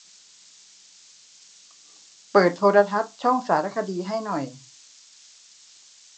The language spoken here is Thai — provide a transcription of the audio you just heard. เปิดโทรทัศน์ช่องสารคดีให้หน่อย